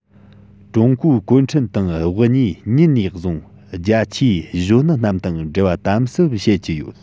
ཀྲུང གོའི གུང ཁྲན ཏང དབུ བརྙེས ཉིན ནས བཟུང རྒྱ ཆེའི གཞོན ནུ རྣམས དང འབྲེལ བ དམ ཟབ བྱེད ཀྱི ཡོད